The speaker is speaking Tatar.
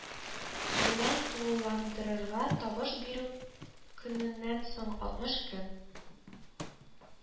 Белән тулыландырырга; тавыш бирү көненнән соң алтмыш көн